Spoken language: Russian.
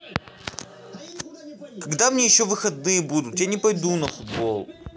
когда мне еще выходные будут я не пойду на футбол